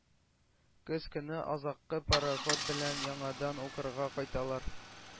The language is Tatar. Көз көне азаккы пароход белән яңадан укырга кайталар.